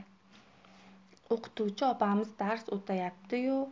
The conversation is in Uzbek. o'qituvchi opamiz dars o'tyapti yu